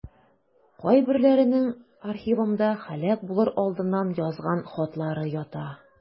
Кайберләренең архивымда һәлак булыр алдыннан язган хатлары ята.